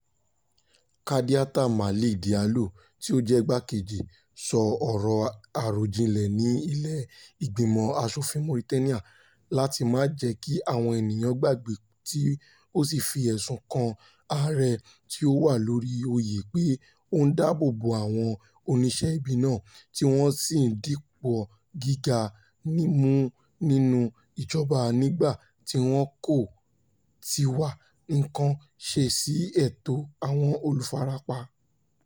Kardiata Malick Diallo, tí ó jẹ́ igbákejì, sọ ọrọ àròjinlẹ̀ ní ilé Ìgbìmọ̀ aṣòfin Mauritania láti máà jẹ́ kí àwọn ènìyàn gbàgbé, tí ó sì fi ẹ̀sùn kàn ààrẹ tí ó wà lórí oyè pé ó ń dáàbò bo àwọn oníṣẹ́-ibi náà, tí wọ́n ṣì ń dipò gíga mú nínú ìjọba nígbà tí wọn kò tí ì wá nǹkan ṣe sí ẹ̀tọ́ àwọn olùfarapa: